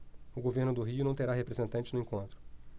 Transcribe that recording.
o governo do rio não terá representante no encontro